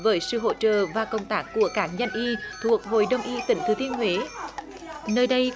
với sự hỗ trợ và công tác của cá nhân y thuộc hội đông y tỉnh thừa thiên huế nơi đây